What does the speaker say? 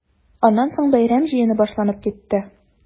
Аннан соң бәйрәм җыены башланып китте.